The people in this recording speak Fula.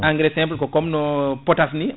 engrain simple ko comme potasse ni